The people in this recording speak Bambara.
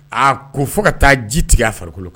A ko fo ka taa ji tigɛ a farikolo kan